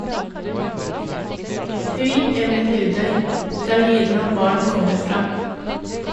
Hui eller Hudøy - der lyden av barn kommer fra.